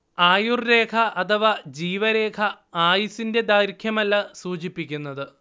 ആയുർരേഖ അഥവാ ജീവരേഖ ആയുസ്സിന്റെ ദൈർഘ്യമല്ല സൂചിപ്പിക്കുന്നത്